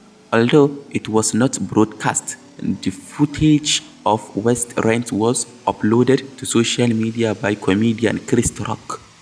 Although it was not broadcast, the footage of West's rant was uploaded to social media by comedian Chris Rock.